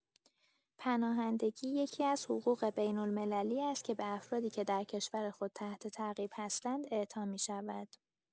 پناهندگی یکی‌از حقوق بین‌المللی است که به افرادی که در کشور خود تحت تعقیب هستند، اعطا می‌شود.